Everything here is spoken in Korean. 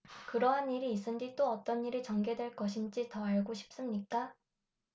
그러한 일이 있은 뒤 또 어떤 일이 전개될 것인지 더 알고 싶습니까